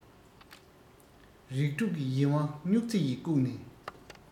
རིགས དྲུག གི ཡིད དབང སྨྱུག རྩེ ཡིས བཀུག ནས